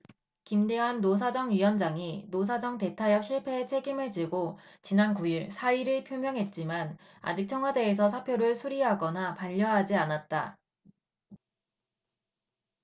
김대환 노사정위원장이 노사정 대타협 실패에 책임을 지고 지난 구 일 사의를 표명했지만 아직 청와대에서 사표를 수리하거나 반려하지 않았다